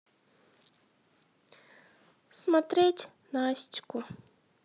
смотреть настьку